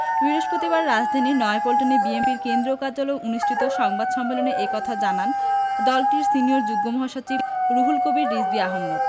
বৃহস্পতিবার রাজধানীর নয়াপল্টনে বিএনপির কেন্দ্রীয় কার্যালয়ে অনুষ্ঠিত সংবাদ সম্মেলন এ কথা জানান দলটির সিনিয়র যুগ্য মহাসচিব রুহুল কবির রিজভী আহমমদ